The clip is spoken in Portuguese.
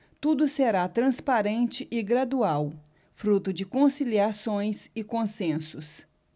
tudo será transparente e gradual fruto de conciliações e consensos